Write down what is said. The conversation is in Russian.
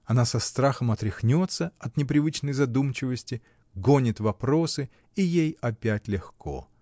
Она со страхом отряхнется от непривычной задумчивости, гонит вопросы — и ей опять легко.